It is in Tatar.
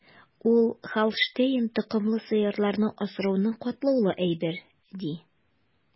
Ул Һолштейн токымлы сыерларны асрауны катлаулы әйбер, ди.